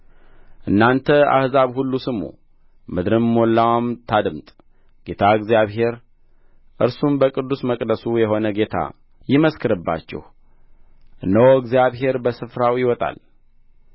እናንተ አሕዛብ ሁሉ ስሙ ምድርም ሙላዋም ታድምጥ ጌታ እግዚአብሔርም እርሱም በቅዱስ መቅደሱ የሆነ ጌታ ይመስክርባችሁ እነሆ እግዚአብሔር ከስፍራው ይወጣል